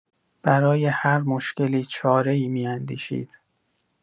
برای هر مشکلی چاره‌ای می‌اندیشید.